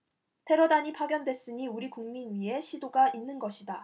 테러단이 파견됐으니 우리국민 위해 시도가 있는 것이다